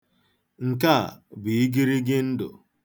Nke a bụ igirigi ndụ.